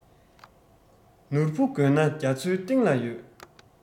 ནོར བུ དགོས ན རྒྱ མཚོའི གཏིང ལ ཡོད